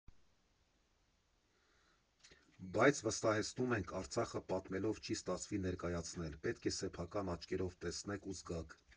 Բայց վստահեցնում ենք՝ Արցախը պատմելով չի ստացվի ներկայացնել, պետք է սեփական աչքերով տեսնեք ու զգաք։